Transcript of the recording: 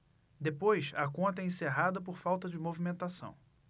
depois a conta é encerrada por falta de movimentação